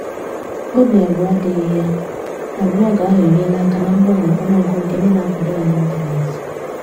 Obi abụọ adịghị ya na blọọgụ ahụ enyeela aka na mbawanye ọnụgụgụ nke ndị na-akwado ya n'ịntanetị.